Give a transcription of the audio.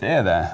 det er det.